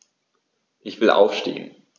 Ich will aufstehen.